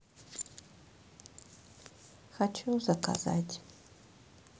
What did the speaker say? хочу заказать